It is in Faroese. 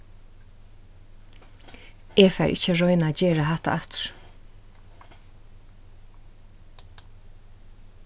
eg fari ikki at royna at gera hatta aftur